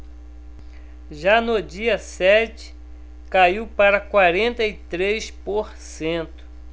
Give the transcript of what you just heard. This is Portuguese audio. já no dia sete caiu para quarenta e três por cento